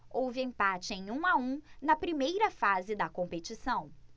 houve empate em um a um na primeira fase da competição